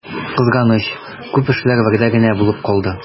Кызганыч, күп эшләр вәгъдә генә булып калды.